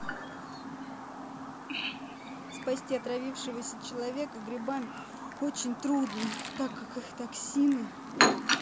спасти отравившегося человека грибами очень трудно так как их таксины